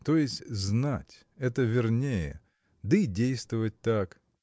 то есть знать – это вернее – да и действовать так.